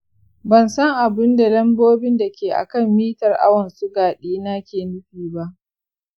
ban san abunda lambobin dake akan mitar awon suga ɗina ke nufi ba.